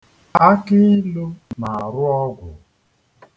Akịilu na-arụ ọgwụ.